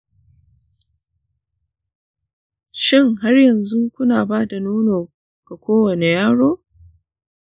shin har yanzu kuna ba da nono ga kowane yaro?